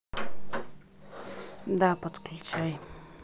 да подключай